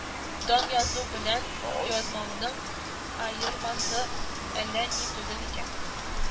Дан язу белән язмауның аермасы әллә ни түгел икән